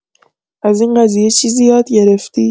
از این قضیه چیزی یاد گرفتی؟